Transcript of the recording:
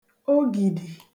ogìdì